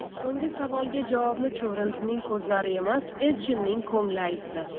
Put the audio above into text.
so'nggi savolga javobni chuvrindining ko'zlari emas elchinning ko'ngli aytdi